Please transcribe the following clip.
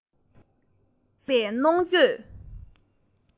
བརྗོད མི ཤེས པའི གནོང འགྱོད